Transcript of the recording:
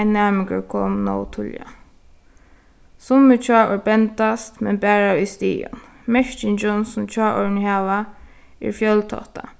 ein næmingur kom nóg tíðliga summi hjáorð bendast men bara í stigum merkingin sum hjáorðini hava er fjøltáttað